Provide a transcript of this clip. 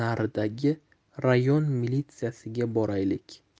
naridagi rayon militsiyasiga boraylik